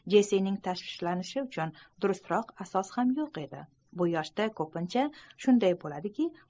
jessining tashvishlanishi uchun durustroq asos ham yo'q edi